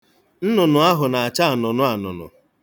Nnụnụ ahụ na-acha anụnụanụnụ.